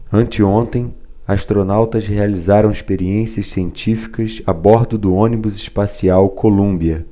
anteontem astronautas realizaram experiências científicas a bordo do ônibus espacial columbia